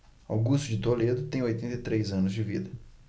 augusto de toledo tem oitenta e três anos de vida